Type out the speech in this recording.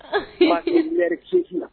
Ma kelen riti la